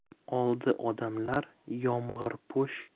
oldi odamlar yomg'irpo'sh